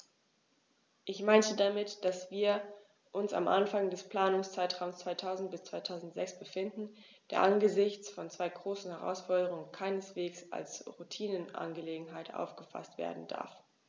Ich meine damit, dass wir uns am Anfang des Planungszeitraums 2000-2006 befinden, der angesichts von zwei großen Herausforderungen keineswegs als Routineangelegenheit aufgefaßt werden darf.